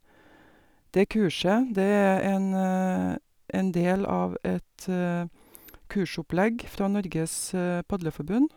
Det kurset, det er en en del av et kursopplegg fra Norges Padleforbund.